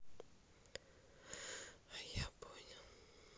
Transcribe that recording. а я понял